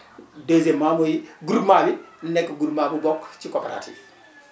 deuxièment mooy groupement bi nekk groupement bu bokk ci coopérative